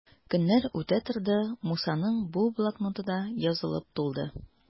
Көннәр үтә торды, Мусаның бу блокноты да язылып тулды.